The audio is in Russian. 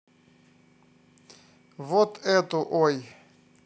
вот эту ой